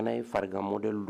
O Fana ye farigan mɔdeli don